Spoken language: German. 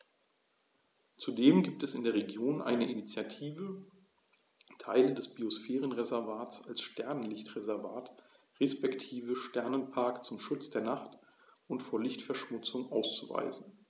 Zudem gibt es in der Region eine Initiative, Teile des Biosphärenreservats als Sternenlicht-Reservat respektive Sternenpark zum Schutz der Nacht und vor Lichtverschmutzung auszuweisen.